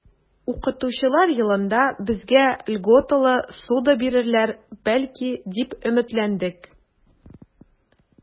Укытучылар елында безгә льготалы ссуда бирерләр, бәлки, дип өметләндек.